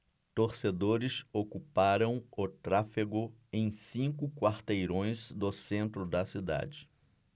torcedores ocuparam o tráfego em cinco quarteirões do centro da cidade